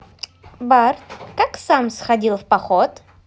badr как сам сходил в поход